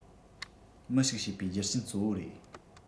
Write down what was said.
མི ཞིག བྱེད པའི རྒྱུ རྐྱེན གཙོ བོ རེད